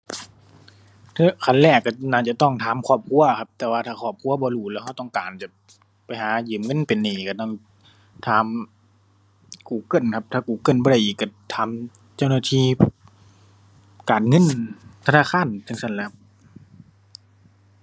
ขั้นแรกก็น่าจะต้องถามครอบครัวอะครับ แต่ว่าถ้าครอบครัวบ่รู้แล้วก็ต้องการจะไปหายืมเงินเป็นหนี้ก็ต้องถาม Google ครับ ถ้า Google บ่ได้อีกก็ถามเจ้าหน้าที่การเงินธนาคารจั่งซั้นแหละครับ